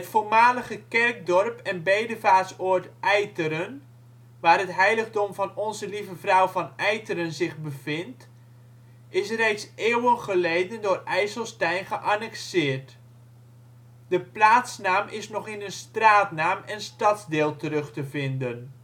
voormalige kerkdorp en bedevaartsoord Eiteren, waar het heiligdom van Onze Lieve Vrouw van Eiteren zich bevindt, is reeds eeuwen geleden door IJsselstein geannexeerd. De plaatsnaam is nog in een straatnaam en stadsdeel terug te vinden